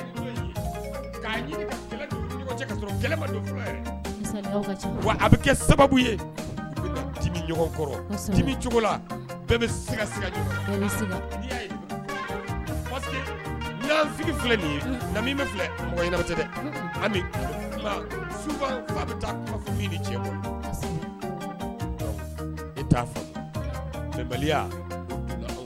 Bɛ filɛ fa i